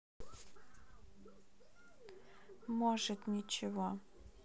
может ничего